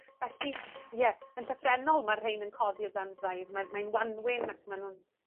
Felly, ie, yn llythrennol ma' rhein yn codi o dan draed ma'r mae'n wanwyn ac ma' nw'n